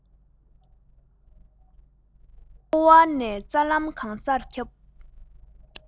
ཕོ བ ནས རྩ ལམ གང སར ཁྱབ